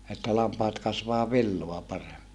että lampaat kasvaa villaa paremmin